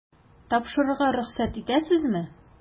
Тапшырырга рөхсәт итәсезме? ..